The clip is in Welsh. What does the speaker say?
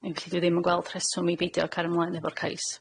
A felly dwi ddim yn gweld rheswm i beidio cario mlaen efo'r cais.